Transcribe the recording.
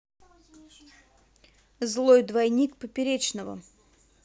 злой двойник поперечного